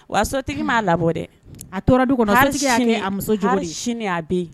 O y'a sɔrɔ tigi m'a labɔ dɛ a tora du kɔnɔ a musoj bɛ